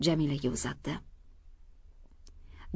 jamilaga uzatdi